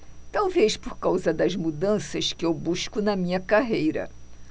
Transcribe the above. talvez por causa das mudanças que eu busco na minha carreira